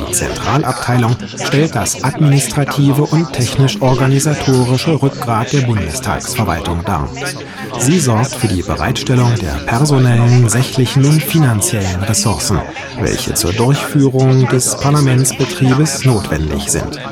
Zentralabteilung stellt das administrative und technisch-organisatorische Rückgrat der Bundestagsverwaltung dar. Sie sorgt für die Bereitstellung der personellen, sächlichen und finanziellen Ressourcen, welche zur Durchführung des Parlamentsbetriebes notwendig sind